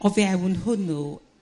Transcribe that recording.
o fewn hwnnw